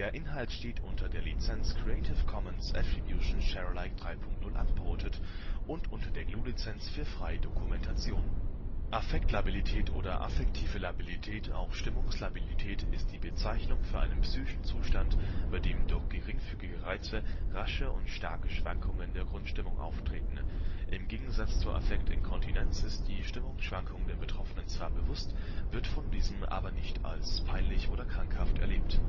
Inhalt steht unter der Lizenz Creative Commons Attribution Share Alike 3 Punkt 0 Unported und unter der GNU Lizenz für freie Dokumentation. Affektlabilität oder affektive Labilität (auch Stimmungslabilität) ist die Bezeichnung für einen psychischen Zustand, bei dem durch geringfügige Reize rasche und starke Schwankungen der Grundstimmung auftreten. Im Gegensatz zur Affektinkontinenz ist die Stimmungsschwankung dem Betroffenen zwar bewusst, wird von diesem aber nicht als peinlich oder krankhaft erlebt